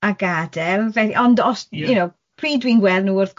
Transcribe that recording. a gadel, fell-... Ond os, you know, pryd dwi'n gweld nhw wrth gwrs